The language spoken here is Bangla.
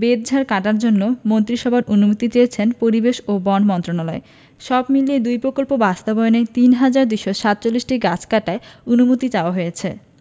বেতঝাড় কাটার জন্য মন্ত্রিসভার অনুমতি চেয়েছে পরিবেশ ও বন মন্ত্রণালয় সব মিলিয়ে দুই প্রকল্প বাস্তবায়নে ৩হাজার ২৪৭টি গাছ কাটার অনুমতি চাওয়া হয়েছে